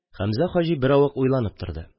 Хәмзә хаҗи беравык уйланып торды.